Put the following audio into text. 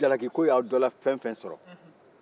ni jalakiko ye a dɔra fɛn o fɛn sɔrɔ